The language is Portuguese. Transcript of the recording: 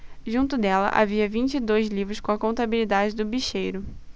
junto dela havia vinte e dois livros com a contabilidade do bicheiro